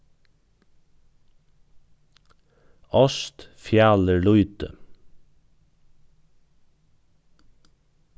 ást fjalir lýti